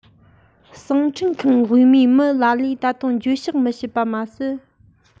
གསང འཕྲིན ཁང དབུས མའི མི ལ ལས ད དུང འགྱོད བཤགས མི བྱེད པ མ ཟད